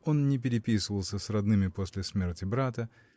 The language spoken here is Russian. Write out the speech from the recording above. Он не переписывался с родными после смерти брата